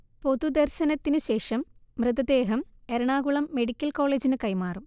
പൊതുദർശനത്തിനു ശേഷം മൃതദേഹം എറണാകുളം മെഡിക്കൽ കോളേജിന് കൈമാറും